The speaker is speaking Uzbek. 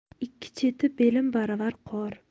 ikki cheti belim baravar qor